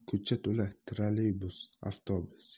ko'cha to'la trollobus aptobus